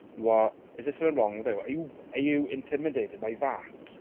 What, is there something wrong with you? Are you, are you intimidated by that?